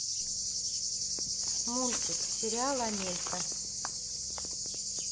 мультик сериал амелька